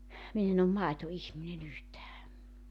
minä en ole maitoihminen yhtään